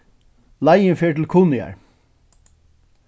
leiðin fer til kunoyar